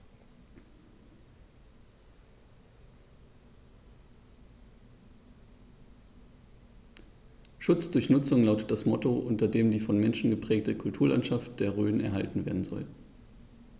„Schutz durch Nutzung“ lautet das Motto, unter dem die vom Menschen geprägte Kulturlandschaft der Rhön erhalten werden soll.